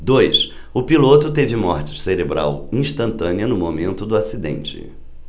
dois o piloto teve morte cerebral instantânea no momento do acidente